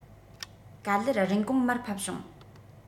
ག ལེར རིན གོང མར ཕབ བྱུང